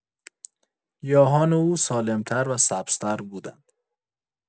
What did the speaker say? گیاهان او سالم‌تر و سبزتر بودند.